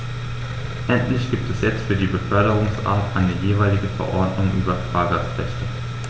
Endlich gibt es jetzt für jede Beförderungsart eine jeweilige Verordnung über Fahrgastrechte.